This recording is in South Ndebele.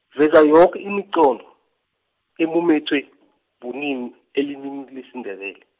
veza yoke imiqondo, emumethwe , bumnini, elimini Lesindebele.